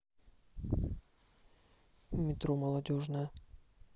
метро молодежное